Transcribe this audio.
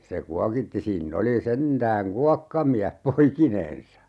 se kuokitti siinä oli sentään kuokkamies poikinensa